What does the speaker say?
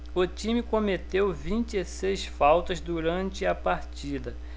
o time cometeu vinte e seis faltas durante a partida